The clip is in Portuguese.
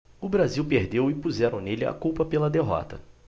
o brasil perdeu e puseram nele a culpa pela derrota